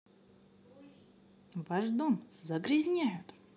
ваш дом загрязняют